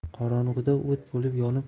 qorong'ida o't bo'lib yonib